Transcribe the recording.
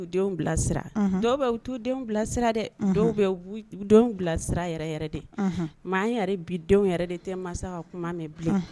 Dɔw dɛ dɔw bɛ bila dɛ maa yɛrɛ bi denw yɛrɛ de tɛ masa kuma mɛn bila